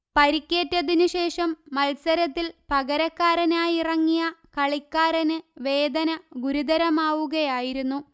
പരിക്കേറ്റതിനു ശേഷം മത്സരത്തിൽ പകരക്കാരനായിറങ്ങിയ കളിക്കാരന് വേദന ഗുരുതരമാവുകയായിരുന്നു